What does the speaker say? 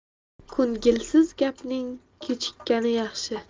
ko'ngilsiz gapning kechikkani yaxshi